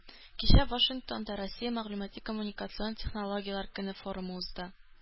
Кичә Вашингтонда “Россия мәгълүмати-коммуникацион технологияләр көне” форумы узды.